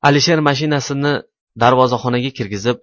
alisher mashinasini darvozaxonaga kirgizib